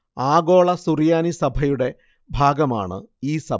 ആഗോള സുറിയാനി സഭയുടെ ഭാഗമാണ് ഈ സഭ